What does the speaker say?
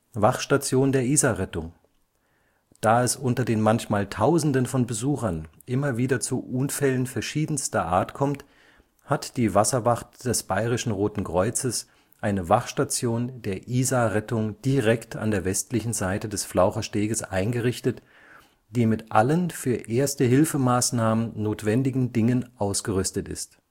Wachstation der Isarrettung: Da es unter den manchmal tausenden von Besuchern immer wieder zu Unfällen verschiedenster Art kommt, hat die Wasserwacht des BRK eine Wachstation der Isarrettung direkt an der westlichen Seite des Flauchersteges eingerichtet, die mit allen für Erste-Hilfe-Maßnahmen notwendigen Dingen ausgerüstet ist